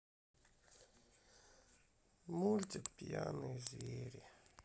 мультик пьяные звери